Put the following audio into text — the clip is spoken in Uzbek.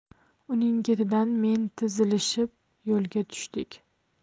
uning ketidan men tizilishib yo'lga tushdik